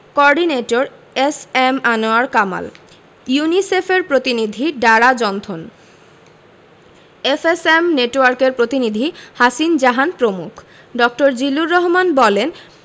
Coordinator S M Anwar Kamal ইউনিসেফের প্রতিনিধি Dara Johnston FSM নেটওয়ার্কের প্রতিনিধি হাসিন জাহান প্রমুখ ড. বলেন জিল্লুর রহমান বলেন